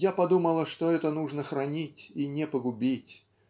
Я подумала, что это нужно хранить и не погубить.